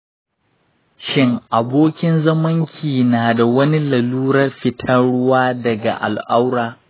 shin abokin zamanki na da wani laluran fitan ruwa daga al'aura?